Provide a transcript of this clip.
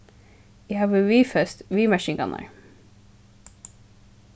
eg havi viðfest viðmerkingarnar